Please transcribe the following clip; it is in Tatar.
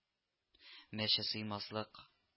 Мәче сыймаслык